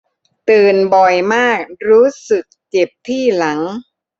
ตื่นบ่อยมากรู้สึกเจ็บที่หลัง